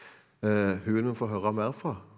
hun vil vi få høre mer fra.